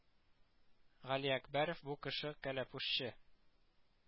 Галиәкбәров бу кеше кәләпүшче